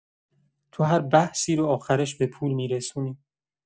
تو هر بحثی رو آخرش به پول می‌رسونی.